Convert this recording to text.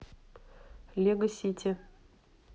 лего сити